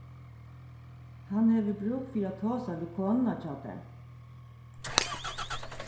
hann hevur brúk fyri at tosa við konuna hjá tær